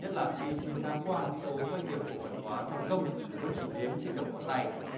nhất là khi chín tháng qua số doanh nghiệp cổ phần hóa thành công vẫn chỉ đếm trên đầu ngón tay